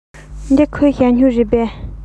འདི ཁོའི ཞ སྨྱུག རེད པས